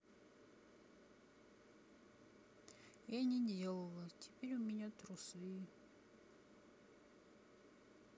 я не делала теперь у меня трусы